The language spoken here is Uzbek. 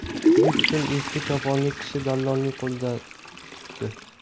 yuz so'm eski choponli kishi dallolning qo'lidan tutdi